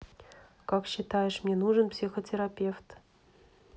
как считаешь мне нужен психотерапевт